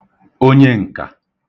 onyeǹkà